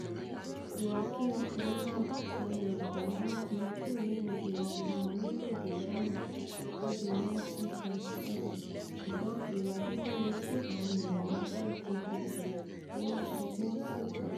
Ìwà kí ọkùnrin máa bá ọkùnrin lòpọ̀ ni wọ́n ti yọ kúrò nínú ìwà ọ̀daràn lorílẹ̀-èdè Ṣáínà lọ́dún 1997, ṣùgbọ́n ìwà dídẹ́yẹsí àwọn ènìyàn LGBT ni wọn sọ pé ó sìpọ̀.